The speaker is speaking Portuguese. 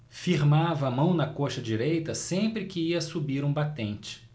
firmava a mão na coxa direita sempre que ia subir um batente